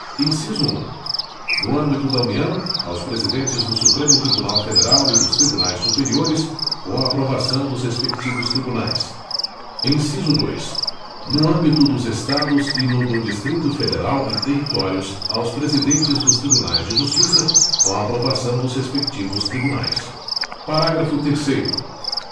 inciso um no âmbito da união aos presidentes do supremo tribunal federal e dos tribunais superiores com a aprovação dos respectivos tribunais inciso dois no âmbito dos estados e no do distrito federal e territórios aos presidentes dos tribunais de justiça com a aprovação dos respectivos tribunais parágrafo terceiro